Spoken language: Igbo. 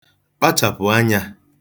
kpachàpụ̀ anyā